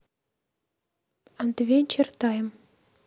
адвенчер тайм